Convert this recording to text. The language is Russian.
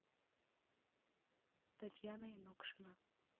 татьяна юношкина